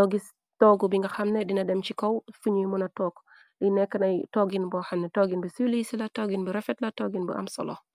oogis toog bi nga xam ne dina dem ci kow suñuy muna took li nekk nay toggin boo xamni toggin bi suliise la toggin bu refet la toggin bu am solo.